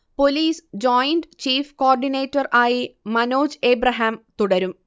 police joint chief coordinator ആയി മനോജ് ഏബ്രഹാം തുടരും